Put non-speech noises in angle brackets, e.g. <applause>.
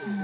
<hesitation> <hesitation>